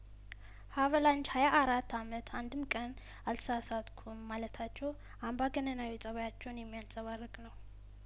ሀቫላንጅ ሀያአራት አመት አንድም ቀን አልተ ሳሳት ኩም ማለታቸው አምባገነናዊ ጸባያቸውን የሚያንጸባርቅ ነው